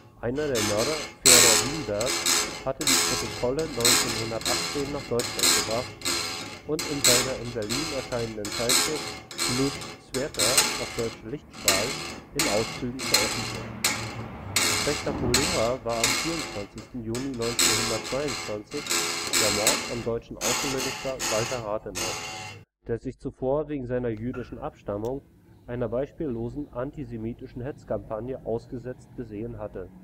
Einer der Mörder, Fjodor Winberg, hatte die Protokolle 1918 nach Deutschland gebracht und in seiner in Berlin erscheinenden Zeitschrift Луч света (Lutsch Sweta –„ Lichtstrahl “) in Auszügen veröffentlicht. Spektakulärer war am 24. Juni 1922 der Mord am deutschen Außenminister Walther Rathenau, der sich zuvor wegen seiner jüdischen Abstammung einer beispiellosen antisemitischen Hetzkampagne ausgesetzt gesehen hatte